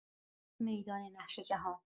میدان نقش‌جهان